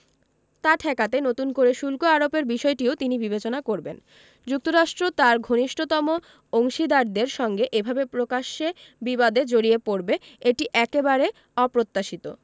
তা ঠেকাতে নতুন করে শুল্ক আরোপের বিষয়টিও তিনি বিবেচনা করবেন যুক্তরাষ্ট্র তার ঘনিষ্ঠতম অংশীদারদের সঙ্গে এভাবে প্রকাশ্যে বিবাদে জড়িয়ে পড়বে এটি একেবারে অপ্রত্যাশিত